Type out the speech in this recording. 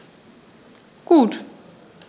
Gut.